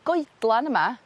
goedlan yma